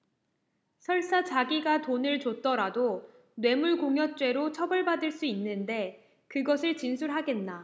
설사 자기가 돈을 줬더라도 뇌물공여죄로 처벌받을 수 있는데 그것을 진술하겠나